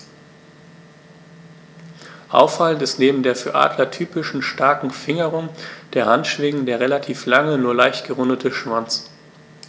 Auffallend ist neben der für Adler typischen starken Fingerung der Handschwingen der relativ lange, nur leicht gerundete Schwanz.